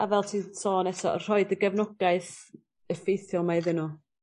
A fel ti sôn eto rhoid y gefnogaeth effeithiol 'ma iddyn n'w?